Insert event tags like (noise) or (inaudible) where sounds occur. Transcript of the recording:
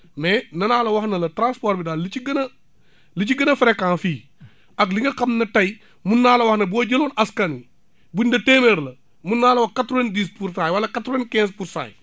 mais danaa la wax ne la transport bi daal li ci gën a li ci gën a fréquent fii (breath) ak li nga xam nag tey mun naa la wax ne boo jëloon askan wi buñ ne téeméer la mun naa la wax quatre vingt dix pour cent yi wala quatre vingt quinze pour cent yi